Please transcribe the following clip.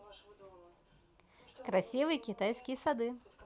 красивые китайские сады